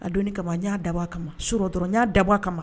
Ka don kama n y'a dabɔ a kama ma sɔ dɔrɔn n y'a dabɔba a kama ma